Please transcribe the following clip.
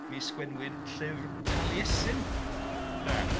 Mi 'sgwennwyd llyfr Taliesin 'de.